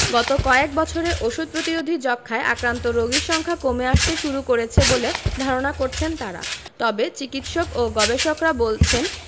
গত কয়েক বছরে ওষুধ প্রতিরোধী যক্ষ্মায় আক্রান্ত রোগীর সংখ্যা কমে আসতে শুরু করেছে বলে ধারণা করছেন তারা তবে চিকিৎসক ও গবেষকরা বলছেন